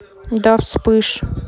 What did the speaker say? да вспыш